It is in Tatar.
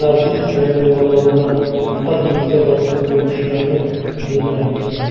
Зарзис районы ярларына Урта диңгездә батып үлгән кешеләрнең мәетләрен китерә.